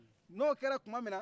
n'o kɛra kumanin na